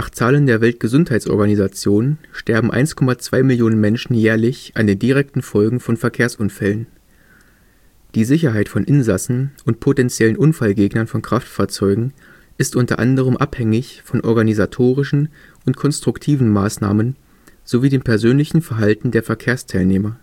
Zahlen der WHO sterben 1,2 Millionen Menschen jährlich an den direkten Folgen von Verkehrsunfällen. Die Sicherheit von Insassen und potenziellen Unfallgegnern von Kraftfahrzeugen ist unter anderem abhängig von organisatorischen und konstruktiven Maßnahmen sowie dem persönlichen Verhalten der Verkehrsteilnehmer